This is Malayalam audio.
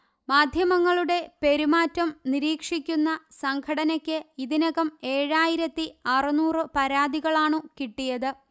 മാധ്യമങ്ങളുടെ പെരുമാറ്റം നിരീക്ഷിക്കുന്ന സംഘടനയ്ക്ക് ഇതിനകം ഏഴായിരത്തി അറുന്നൂറ് പരാതികളാണു കിട്ടിയത്